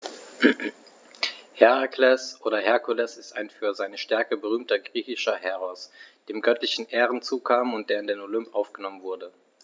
Herakles oder Herkules ist ein für seine Stärke berühmter griechischer Heros, dem göttliche Ehren zukamen und der in den Olymp aufgenommen wurde.